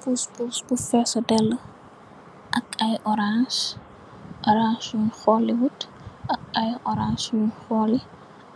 Puss puss bu fees dell ak ay orans, orans yun xolli wut ak orans yun xolli,